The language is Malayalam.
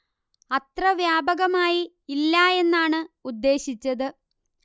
അത്ര വ്യാപകമായി ഇല്ല എന്നാണ് ഉദ്ദേശിച്ചത്